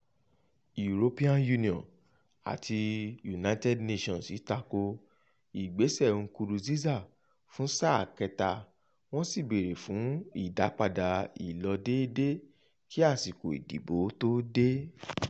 European Union pẹ̀lú United Nations tako ìgbésẹ̀ Nkurunziza fún sáà kẹ́ta, wọ́n sì béèrè fún ìdápadà ìlọdéédé kí àsìkò ìdìbò ó tó dé.